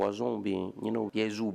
Waz bɛ gɛnzu